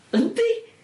Yndi?